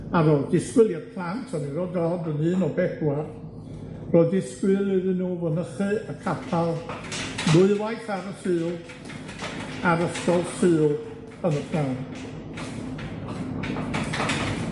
Ar ôl disgwyl i'r plant a mi ro'dd Dodd yn un o bedwar, ro'dd disgwyl iddyn nw fynychu y capal ddwywaith ar y Sul, a'r ysgol Sul yn y p'nawn.